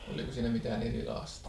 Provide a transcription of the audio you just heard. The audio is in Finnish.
oliko siinä mitään erilaista